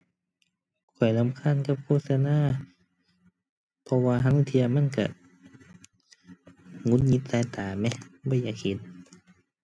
ข้อยรำคาญกับโฆษณา เพราะว่าห่าลางเที่ยมันก็หงุดหงิดสายตาแหม บ่อยากเห็น